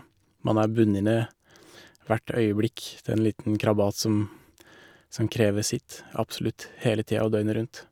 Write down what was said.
Man er bundet ned hvert øyeblikk til en liten krabat som som krever sitt, absolutt hele tida og døgnet rundt.